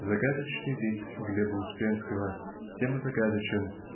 Загадочный лик Глеба Успенского тем и загадочен